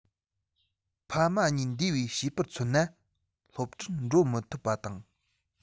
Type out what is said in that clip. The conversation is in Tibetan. ཕ མ གཉིས འདས པའི བྱིས པར མཚོན ན སློབ གྲྭར འགྲོ མི ཐུབ པ དང